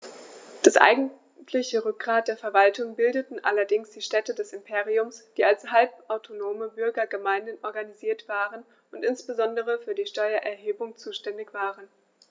Das eigentliche Rückgrat der Verwaltung bildeten allerdings die Städte des Imperiums, die als halbautonome Bürgergemeinden organisiert waren und insbesondere für die Steuererhebung zuständig waren.